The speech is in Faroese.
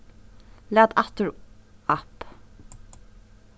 lat aftur app